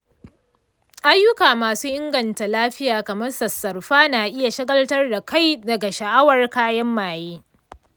ayyuka masu inganta lafiya kamar sassarfa na iya shagaltar da kai daga sha’awar kayan maye.